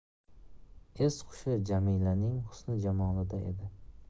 es hushi jamilaning husni jamolida edi